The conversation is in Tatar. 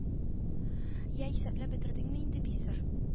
Я исәпләп бетердеңме инде писер